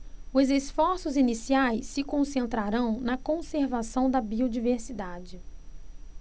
os esforços iniciais se concentrarão na conservação da biodiversidade